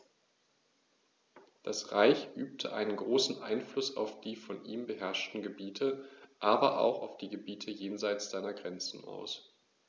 Das Reich übte einen großen Einfluss auf die von ihm beherrschten Gebiete, aber auch auf die Gebiete jenseits seiner Grenzen aus.